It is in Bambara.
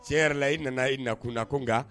Tiɲɛ yɛrɛ la i nana i nakun na ko nka